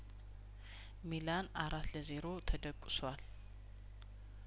ሚላን አራት ለዜሮ ተደቁሷል